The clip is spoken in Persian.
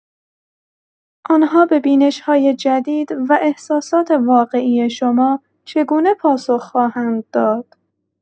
آن‌ها به بینش‌های جدید و احساسات واقعی شما چگونه پاسخ خواهند داد؟